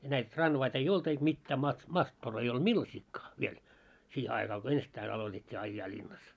ja näitä tranvaita ei ollut eikä mitään - mattor ei ollut millaisiakaan vielä siihen aika kun ensittäin aloitettiin ajaa linnassa